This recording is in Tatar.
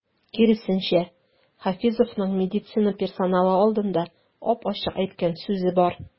Киресенчә, Хафизовның медицина персоналы алдында ап-ачык әйткән сүзе бар.